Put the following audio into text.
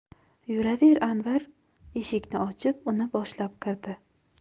yuraver anvar eshikni ochib uni boshlab kirdi